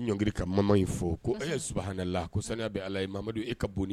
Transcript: Ɲɔng ka in fɔ ko ye su hala kosan bɛ ala ye mamadu e ka bon